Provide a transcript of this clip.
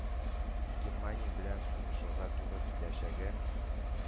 Германия белән сугышырга туры киләчәге